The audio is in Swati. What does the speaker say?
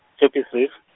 Jeppes Reef.